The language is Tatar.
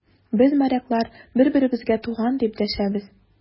Без, моряклар, бер-беребезгә туган, дип дәшәбез.